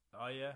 O ie.